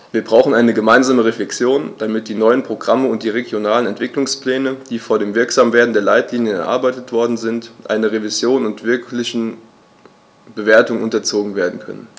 Wir brauchen eine gemeinsame Reflexion, damit die neuen Programme und die regionalen Entwicklungspläne, die vor dem Wirksamwerden der Leitlinien erarbeitet worden sind, einer Revision und wirklichen Bewertung unterzogen werden können.